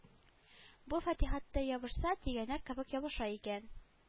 Бу фатихәттәй ябышса тигәнәк кебек ябыша икән